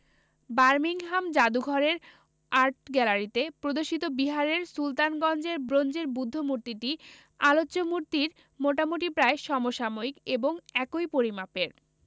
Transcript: Birmingham জাদুঘরের আর্টগ্যালারিতে প্রদর্শিত বিহারের সুলতানগঞ্জের ব্রোঞ্জের বুদ্ধ মূর্তিটি আলোচ্য মূর্তির মোটামুটি প্রায় সমসাময়িক এবং একই পরিমাপের